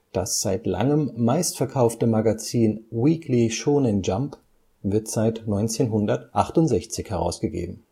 Das seit langem meist verkaufte Magazin Weekly Shōnen Jump wird seit 1968 herausgegeben